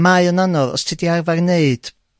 mae o'n anodd os ti 'di arfar neud